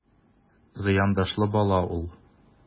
Зыяндашлы бала ул...